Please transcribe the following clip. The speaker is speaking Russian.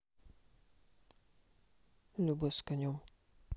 любэ с конем